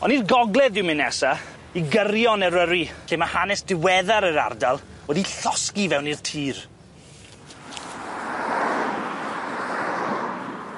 On' i'r gogledd dwi'n myn' nesa i gyrion Eryri, lle ma' hanes diweddar yr ardal wedi llosgi fewn i'r tir.